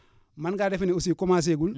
man ngaa defe ne aussi commencé gul